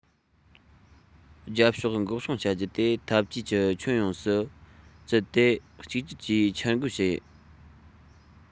རྒྱབ ཕྱོགས འགོག སྲུང བྱ རྒྱུ དེ འཐབ ཇུས ཀྱི ཁྱོན ཡོངས སུ བཙུད དེ གཅིག གྱུར གྱིས འཆར འགོད བྱས